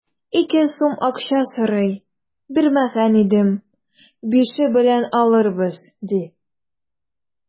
Ике сум акча сорый, бирмәгән идем, бише белән алырбыз, ди.